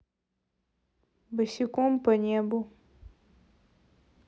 босиком по небу